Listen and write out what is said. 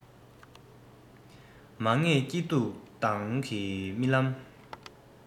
མ ངེས སྐྱིད སྡུག མདང གི རྨི ལམ